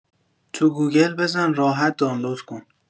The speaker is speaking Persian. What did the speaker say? تو گوگل بزن راحت دانلود کن